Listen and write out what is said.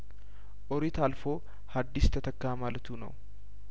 ኦሪት አልፎ ሀዲስ ተተካ ማለቱ ነው